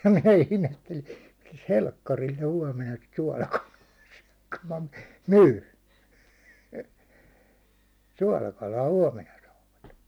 ja minä ihmettelin milläs helkkarilla ne huomenna sitä suolakalaa syö kun minä myyn suolakalaa huomenna saavat